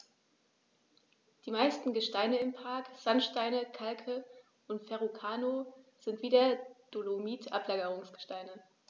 Die meisten Gesteine im Park – Sandsteine, Kalke und Verrucano – sind wie der Dolomit Ablagerungsgesteine.